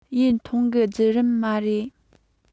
ཡུན ཐུང གི བརྒྱུད རིམ མ རེད